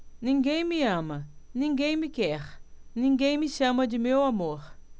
ninguém me ama ninguém me quer ninguém me chama de meu amor